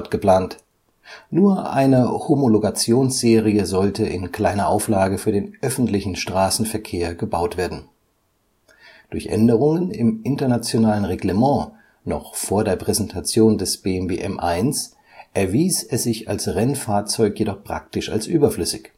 geplant, nur eine Homologationsserie sollte in kleiner Auflage für den öffentlichen Straßenverkehr gebaut werden. Durch Änderungen im internationalen Reglement noch vor der Präsentation des BMW M1 erwies er sich als Rennfahrzeug jedoch praktisch als überflüssig